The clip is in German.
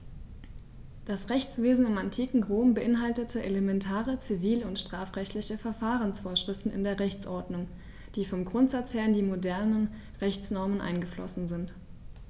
Das Rechtswesen im antiken Rom beinhaltete elementare zivil- und strafrechtliche Verfahrensvorschriften in der Rechtsordnung, die vom Grundsatz her in die modernen Rechtsnormen eingeflossen sind.